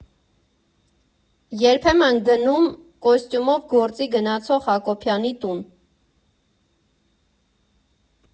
Երբեմն՝ գնում կոստյումով գործի գնացող Հակոբյանի տուն։